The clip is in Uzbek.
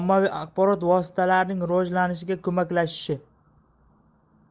ommaviy axborot vositalarining rivojlanishiga ko'maklashishi